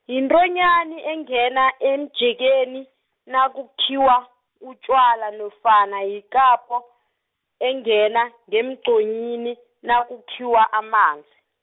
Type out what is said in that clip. yintonyani engena emjekeni nakukhiwa utjwala nofana yikapho, engena ngemgqonyini nakukhiwa amanzi.